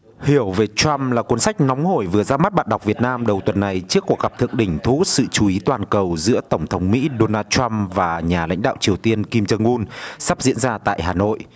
hiểu về troăm là cuốn sách nóng hổi vừa ra mắt bạn đọc việt nam đầu tuần này trước cuộc gặp thượng đỉnh thu hút sự chú ý toàn cầu giữa tổng thống mỹ đô na troăm và nhà lãnh đạo triều tiên kim doong un sắp diễn ra tại hà nội